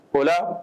O la